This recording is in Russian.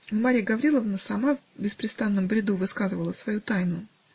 Но Марья Гавриловна сама в беспрестанном бреду высказывала свою тайну.